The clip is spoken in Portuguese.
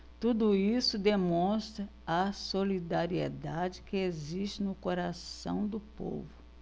tudo isso demonstra a solidariedade que existe no coração do povo